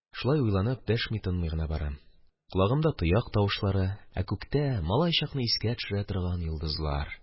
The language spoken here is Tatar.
Шулай уйланып, дәшми-тынмый гына барам, колагымда – тояк тавышлары, ә күктә – малай чакны искә төшерә торган йолдызлар...